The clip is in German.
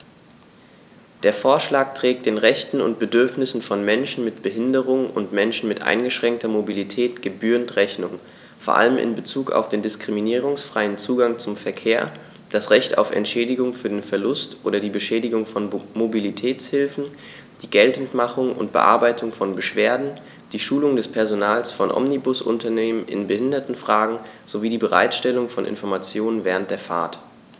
Der Vorschlag trägt den Rechten und Bedürfnissen von Menschen mit Behinderung und Menschen mit eingeschränkter Mobilität gebührend Rechnung, vor allem in Bezug auf den diskriminierungsfreien Zugang zum Verkehr, das Recht auf Entschädigung für den Verlust oder die Beschädigung von Mobilitätshilfen, die Geltendmachung und Bearbeitung von Beschwerden, die Schulung des Personals von Omnibusunternehmen in Behindertenfragen sowie die Bereitstellung von Informationen während der Fahrt.